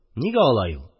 Нигә алай ул?